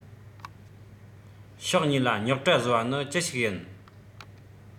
ཕྱོགས གཉིས ལ རྙོག དྲ བཟོ བ ནི ཅི ཞིག ཡིན